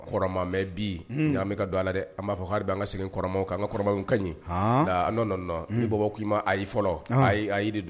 Kɔrɔma mais bi bɛ ka don a la dɛ an b'a fɔ ko hali bi an ka segin kɔrɔmanw kan an ka kɔrɔw ka ɲi nka non non non ni bɔbɔ k'i ma ayi fɔlɔ ayi